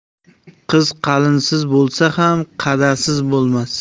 qiz qalinsiz bo'lsa ham qa'dasiz bo'lmas